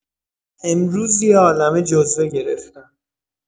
امروز یه عالمه جزوه گرفتم